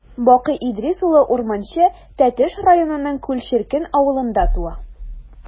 Бакый Идрис улы Урманче Тәтеш районының Күл черкен авылында туа.